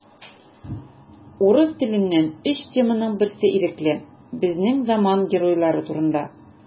Урыс теленнән өч теманың берсе ирекле: безнең заман геройлары турында.